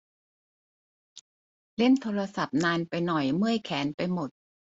เล่นโทรศัพท์นานไปหน่อยเมื่อยแขนไปหมด